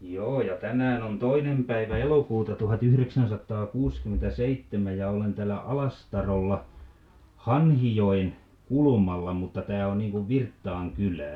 Joo ja tännään on toinem päivä elokuuta tuhatyhreksänsattaakuuskymentäseittemäj ja olen täällä Alastarolla, Hanhijoen, kulmalla mutta tää on niinkuv Virttaan kylää.